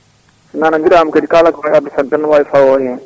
so nanodirama kadi kala ko wawi * ne wawi fawo hen